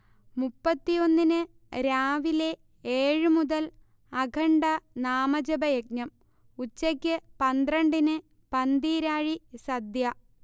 മുപ്പത്തിയൊന്നിന് രാവിലെ ഏഴുമുതൽ അഖണ്ഡ നാമജപയജ്ഞം, ഉച്ചയ്ക്ക് പന്ത്രണ്ടിന് പന്തീരാഴി സദ്യ